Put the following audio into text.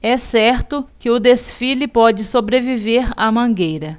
é certo que o desfile pode sobreviver à mangueira